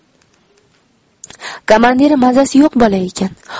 komandiri mazasi yo'q bola ekan